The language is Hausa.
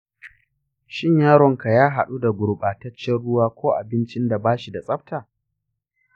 shin yaronka ya haɗu da gurɓataccen ruwa ko abincin da bashi da tsafta?